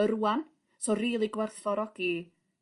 y rŵan so rili gwerthfawrogi